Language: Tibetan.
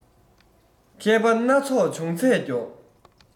མཁས པ སྣ ཚོགས འབྱུང ཚད མགྱོགས